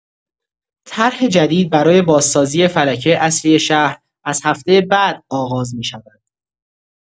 طرح جدید برای بازسازی فلکه اصلی شهر از هفته بعد آغاز می‌شود.